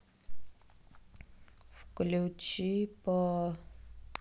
включи па